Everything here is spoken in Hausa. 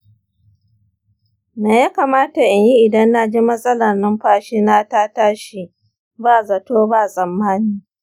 me ya kamata in yi idan na ji matsalar numfashina ta tashi ba zato ba tsammani?